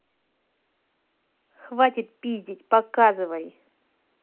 хватит пиздить показывай